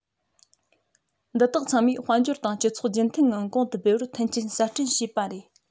འདི དག ཚང མས དཔལ འབྱོར དང སྤྱི ཚོགས རྒྱུན མཐུད ངང གོང དུ སྤེལ བར མཐུན རྐྱེན གསར སྐྲུན བྱས པ རེད